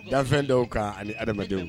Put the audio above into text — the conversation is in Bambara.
Danfɛn dɔw kan ani adamadenw